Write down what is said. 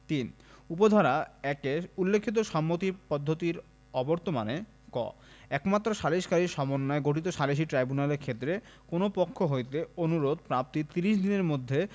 ৩ উপ ধারা ১ এ উল্লেখিত সম্মত পদ্ধতির অবর্তমানে ক একমাত্র সালিকসারীর সমন্বয়ে গঠিত সালিসী ট্রাইব্যুনালের ক্ষেত্রে কোন পক্ষ হইতে অনুরোধ প্রাপ্তির ত্রিশ দিনের মধ্যে